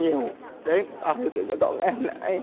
nhiều để ờ cho con ngày hôm nay